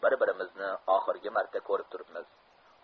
bir birimizni oxirgi marta ko'rib turibmiz